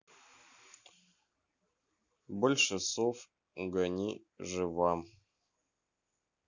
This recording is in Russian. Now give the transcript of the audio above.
больше сов угони жива